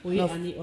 U lafi